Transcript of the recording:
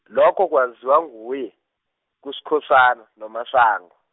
lokho kwaziwa nguye, kuSkhosana noMasango.